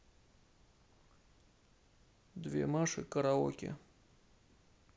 две маши караоке